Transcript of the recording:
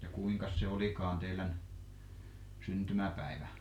ja kuinkas se olikaan teidän syntymäpäivä